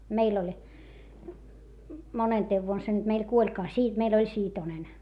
meillä oli monentena vuonna se nyt meillä kuolikaan - meillä oli Siitonen